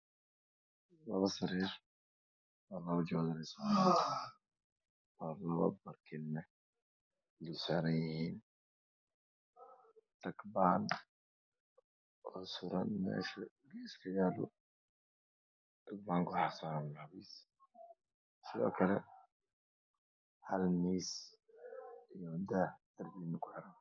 Labo sariir labobarkin saaran yihiin kataban sidoo kale Hal miis daah darbiga ku xiran